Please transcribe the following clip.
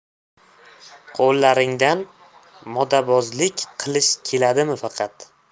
qo'llaringdan modabozlik qilish keladimi faqat